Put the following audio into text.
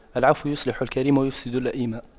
العفو يصلح الكريم ويفسد اللئيم